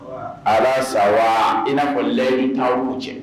Ala sa ikɔlilayi n t'aw' cɛ